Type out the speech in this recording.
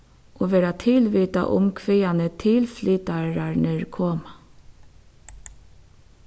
og vera tilvitað um hvaðani tilflytararnir koma